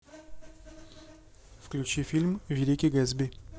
включи фильм великий гэтсби